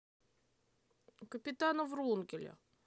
капитана врунгеля